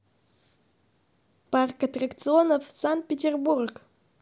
парк аттракционов санкт петербург